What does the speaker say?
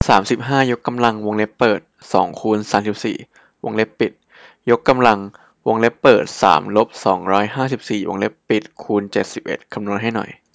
สามสิบห้ายกกำลังวงเล็บเปิดสองคูณสามสิบสี่วงเล็บปิดยกกำลังวงเล็บเปิดสามลบสองร้อยห้าสิบสี่วงเล็บปิดคูณเจ็ดสิบเอ็ดคำนวณให้หน่อย